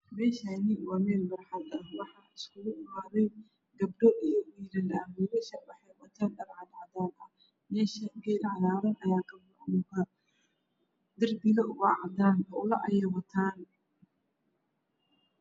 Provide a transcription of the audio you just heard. Meeshaan waa meel barxad ah waxaa iskugu imaaday gabdho iyo wiilal. Waxay wiilashu wataan dhar cadaan ah. Meesha geed cagaaran ayaa kabaxaayo. Darbiga waa cadaan, ulo ayay wataan.